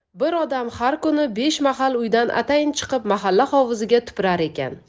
bir odam har kuni besh mahal uydan atayin chiqib mahalla hovuziga tupurar ekan